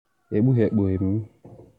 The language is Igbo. Ekpughepughi m."